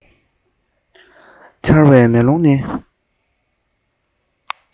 འཆར བའི མེ ལོང ནི